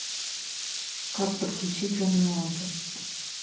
как подключить умную лампу